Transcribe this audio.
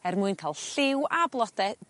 er mwyn ca'l lliw a blode